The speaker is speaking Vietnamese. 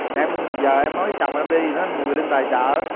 em giờ em nói với chồng em đi nói anh hùi linh tài trợ